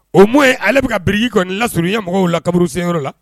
O ye mun ye ale bi ka brique kɔni lasurunya mɔgɔw la kaburu senyɔrɔ la.